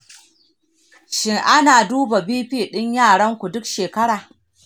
shi ana duba bp ɗin ƴaƴanku duk shekara?